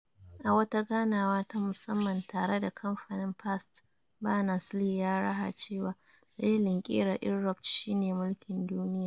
A wata ganawa ta musamman tare da kamfanin Fast, Berners-Lee ya raha cewa, dalilin kera Inrupt shi ne "mulkin duniya."